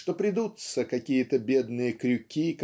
что придутся какие-то бедные крюки